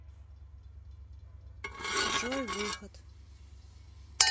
джой выход